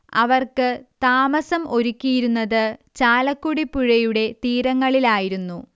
അവർക്ക് താമസം ഒരുക്കിയിരുന്നത് ചാലക്കുടിപ്പുഴയുടെ തീരങ്ങളിലായിരുന്നു